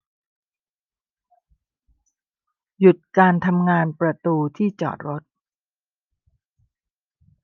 หยุดการทำงานประตูที่จอดรถ